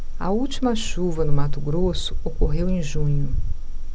a última chuva no mato grosso ocorreu em junho